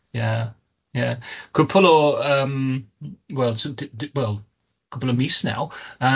Yeah, yeah. Cwpwl o yym wel s- d- d- wel cwpwl o mis naw' yym